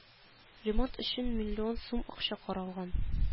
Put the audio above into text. Ремонт өчен миллион сум акча каралган